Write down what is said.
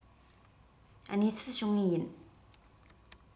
གནས ཚུལ བྱུང ངེས ཡིན